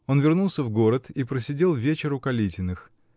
Он вернулся в город и просидел вечер у Калитиных.